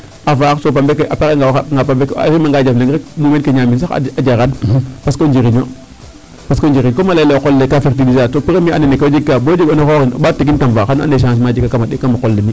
A faax to pambe ke a pare'anga a rimanga jaf leŋ rek mumeen ke ñaamin sax a jaraan parce que o njiriñ o comme a laye yee o qol le kaa fertiliser a to premier année ne ke o jegkaa bo a o ande changement jega kam o qol le .